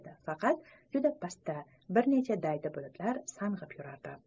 faqat juda pastda bir necha daydi bulutlar sang'ib yurar edi